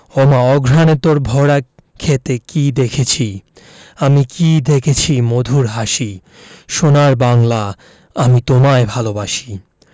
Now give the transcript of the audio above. ওমা অঘ্রানে তোর ভরা ক্ষেতে কী দেখেছি আমি কী দেখেছি মধুর হাসি সোনার বাংলা আমি তোমায় ভালোবাসি